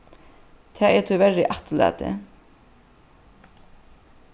tað er tíverri afturlatið